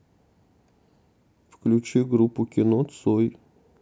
включи группу кино цой